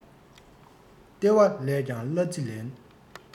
ལྟེ བ ལས ཀྱང གླ རྩི ལེན